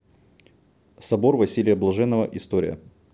собор василия блаженного история